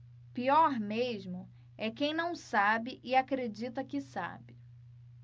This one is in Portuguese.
pior mesmo é quem não sabe e acredita que sabe